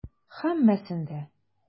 Һәммәсен дә.